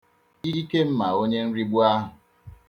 Ikem ma onyenrigbu ahụ.